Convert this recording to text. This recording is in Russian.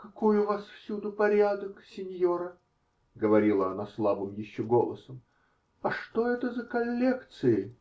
-- Какой у вас всюду порядок, синьора, -- говорила она слабым еще голосом. -- А что это за коллекции?